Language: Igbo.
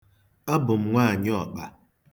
Abụ m nwaanyị ọkpa.